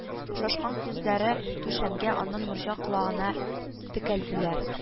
Шашкан күзләре түшәмгә, аннан морҗа калагына текәлделәр